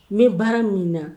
N bɛ baara min na